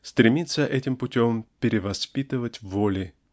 стремится этим путем перевоспитывать воли.